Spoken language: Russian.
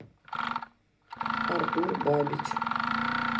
артур бабич